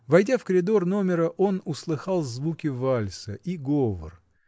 Войдя в коридор номера, он услыхал звуки вальса и — говор.